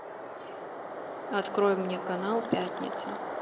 открой мне канал пятница